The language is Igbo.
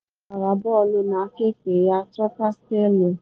Mgbe ahụ ọ gbara bọọlụ n’akaekpe ya, chọta Sterling.